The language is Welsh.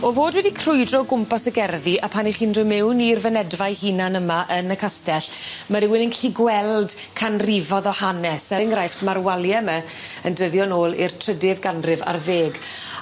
O fod wedi crwydro o gwmpas y gerddi a pan 'ych chi'n dod miwn i'r fynedfa 'u hunan yma yn y castell ma' rywun yn gllu gweld canrifodd o hanes er enghraifft ma'r walia 'my yn dyddio nôl i'r trydydd ganrif ar ddeg.